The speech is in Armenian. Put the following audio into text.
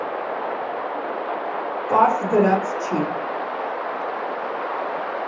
Պարզ գրած չի։